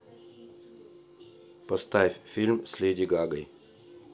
поставь фильм с леди гагой